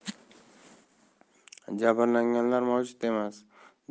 jabrlanganlar mavjud emas deya xabar